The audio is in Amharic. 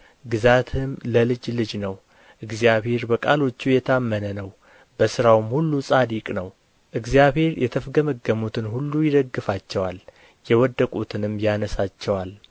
ግዛትህም ለልጅ ልጅ ነው እግዚአብሔር በቃሎቹ የታመነ ነው በሥራውም ሁሉ ጻድቅ ነው እግዚአብሔር የተፍገመገሙትን ሁሉ ይደግፋቸዋል የወደቁትንም ያነሣቸዋል